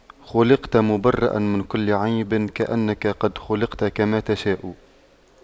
خلقت مُبَرَّأً من كل عيب كأنك قد خُلقْتَ كما تشاء